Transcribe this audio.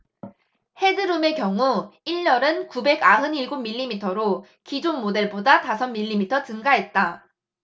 헤드룸의 경우 일 열은 구백 아흔 일곱 밀리미터로 기존 모델보다 다섯 밀리미터 증가했다